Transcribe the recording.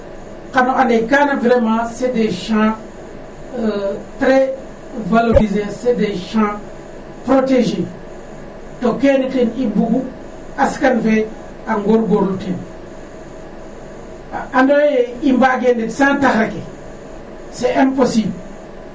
Xan o ande kana vraiment c' est des champs trés valorisés c' est des champs protégés to kene ten i mbugu askan fe a ngoorngoorlu teen . A andooyo yee, i mbaagee ndet sans taxar ke c' est impossible